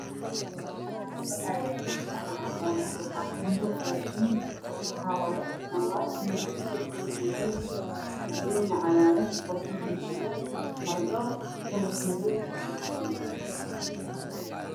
Me Shan waxa yalo saxan cadan ah waxa kujiro ra shin waxa waye malay ka lar kisu da habi yahay bar baronu cagaaran basal ga dudan Baran dho ka lar ke du uda habi yahay